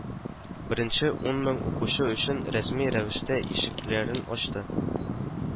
Беренче ун мең укучы өчен рәсми рәвештә ишекләрен ачты